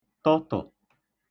tə̣tə̣̀